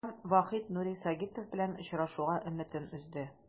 Һәм Вахит Нури Сагитов белән очрашуга өметен өзде.